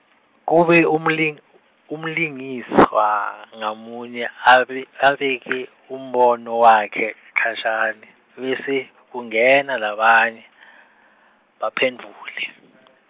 kube umling- umlingiswa ngamunye abe abeke umbono wakhe khashane, bese kungena labanye , bamphendvule .